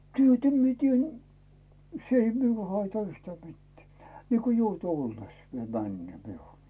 työtä minä teen se ei minulle haittaa yhtään mitään niin kuin jouten ollessa vielä menee minulla